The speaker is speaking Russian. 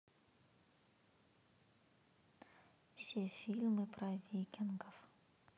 все фильмы про викингов